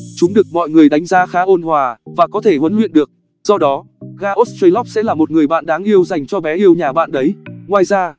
chúng được mọi người đánh giá khá ôn hòa và có thể huấn luyện được do đó gà australorp sẽ là một người bạn đáng yêu dành cho bé yêu nhà bạn đấy